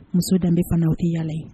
Muso danbe bɛ ka na tɛ yaa